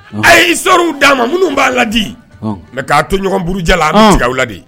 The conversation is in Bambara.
A ye isarw d'a ma minnu b'a ladi nka k'a toɲɔgɔnurujɛ a tigɛw la de